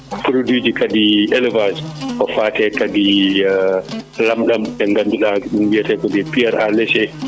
produit ji kadi élevage fo fate kadi lamɗam ɗe ngannduɗaa ɗum wiyete ko des pierres lécher